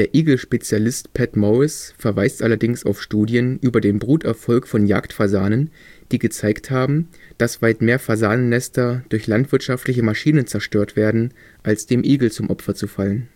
Igelspezialist Pat Morris verweist allerdings auf Studien über den Bruterfolg von Jagdfasanen, die gezeigt haben, dass weit mehr Fasanennester durch landwirtschaftliche Maschinen zerstört werden als dem Igel zum Opfer fallen